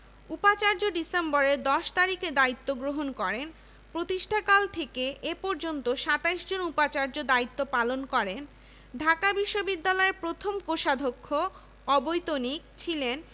J H Lindsay ICS ১ July ১৯২১ থেকে ২০ February ১৯২২ প্রথম registrar Khan Bahadur Nazir Uddin Ahmad